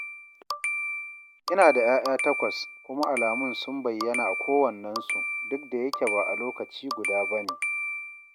'Ina da 'ya'ya takwas, kuma alamun sun bayyana a kownannensu duk da yake ba a lokaci guda ba ne''.